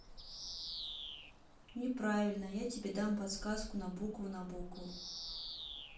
неправильно я тебе дам подсказку на букву на букву